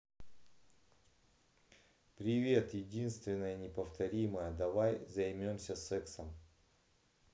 привет единственная неповторимая давай займемся сексом